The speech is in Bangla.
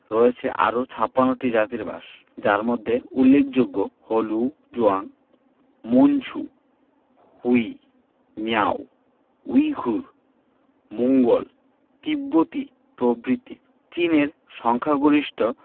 রয়েছে আরও ৫৬ টি জাতির বাস যার মধ্যে উল্লেখযোগ্য হলো Zhuang Manchu Hui Miao Uyghur Mongol তিব্বতি প্রভৃতি চীনের সংখ্যাগরিষ্ঠ